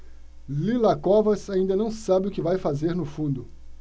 lila covas ainda não sabe o que vai fazer no fundo